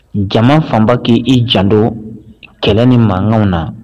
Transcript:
Jama fanba k'i i janto kɛlɛ ni mankan na